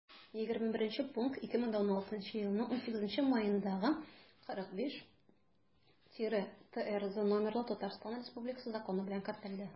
21 пункт 2016 елның 18 маендагы 45-трз номерлы татарстан республикасы законы белән кертелде